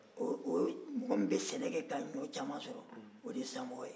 o o mɔgɔ min bɛ sɛnɛ kɛ ka ɲɔn caman sɔrɔ o de ye samoko ye